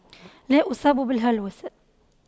لا اصاب بالهلوسة